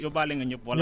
yóbbaale nga ñëpp voilà